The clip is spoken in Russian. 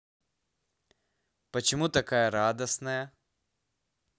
почему такая радостная